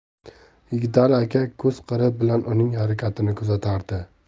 yigitali aka ko'z qiri bilan uning harakatini kuzatardi